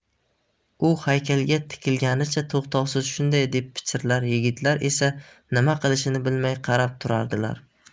u haykalga tikilganicha to'xtovsiz shunday deb pichirlar yigitlar esa nima qilishini bilmay qarab turardilar